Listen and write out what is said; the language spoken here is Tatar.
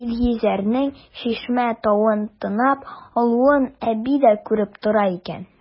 Илгизәрнең Чишмә тавын танып алуын әби дә күреп тора икән.